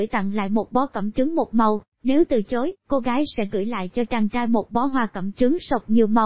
nếu chấp nhận cô gái tặng lại cho chàng trai bó hoa cẩm chướng màu nếu không đồng ý cô gái sẽ gửi lại cho chàng trai bó hoa cẩm chướng sọc nhiều màu